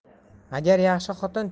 agar yaxshi xotin